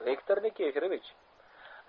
viktor nikiforovich